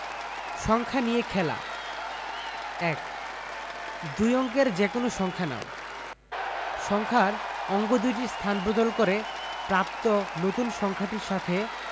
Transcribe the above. সংখ্যা নিয়ে খেলা ১ দুই অঙ্কের যেকোনো সংখ্যা নাও সংখ্যার অঙ্ক দুইটির স্থান বদল করে প্রাপ্ত নতুন সংখ্যাটির সাথে